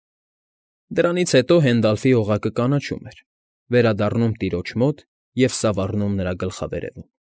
Դրանից հետո Հենդալֆի օղակը կանաչում էր, վերադառնում տիրոջ մոտ և սավառնում նրա գլխավերևում։